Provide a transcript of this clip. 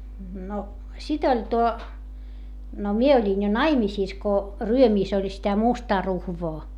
no sitten oli tuo no minä olin jo naimisissa kun Ryömissä oli sitä mustaa ruhvoa